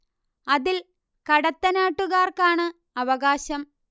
അതിൽ കടത്തനാട്ടുകാർക്കാണ് അവകാശം